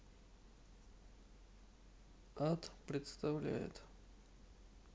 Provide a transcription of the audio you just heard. ат представляет